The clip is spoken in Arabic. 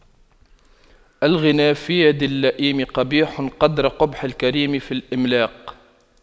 الغنى في يد اللئيم قبيح قدر قبح الكريم في الإملاق